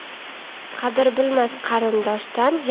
qadr bilmas qarindoshdan